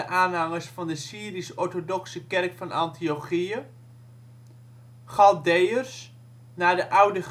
aanhangers van de Syrisch-orthodoxe Kerk van Antiochië). Chaldeeërs, naar de oude